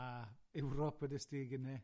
A Ewrop wedest ti gynne?